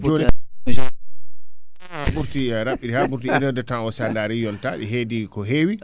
ɓurti ha ɓuurti 1 heures de temps sa daari yonta ne heedi ko hewi